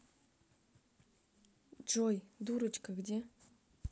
джой дурочка где